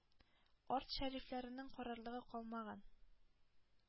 Арт шәрифләренең карарлыгы калмаган.